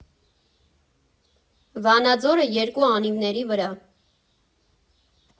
Վանաձորը՝ երկու անիվների վրա։